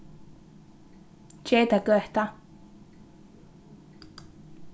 geytagøta